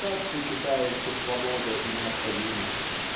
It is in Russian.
так сочетается свобода и необходимость